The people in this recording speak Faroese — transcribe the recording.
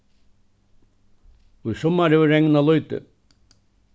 í summar hevur regnað lítið